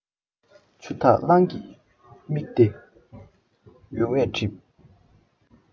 ཆུ འཐག གླང གི མིག དེ ཡོལ བས བསྒྲིབས